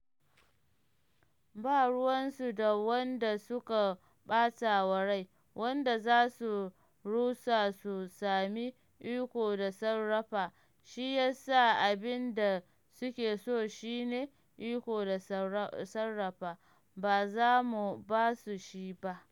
Ba ruwansu da wanda suka ɓata wa rai, wanda za su rusa su sami iko da sarrafa, shi ya sa abin da suke so shi ne iko da sarrafa, ba za mu ba su shi ba.”